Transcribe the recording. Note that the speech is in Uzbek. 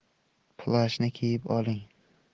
plashni kiyib oling